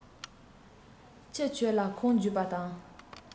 ཁྱི ཁྱོད ལ ཁུངས བརྒྱུད པ དང